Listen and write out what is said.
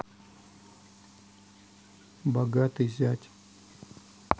богатый зять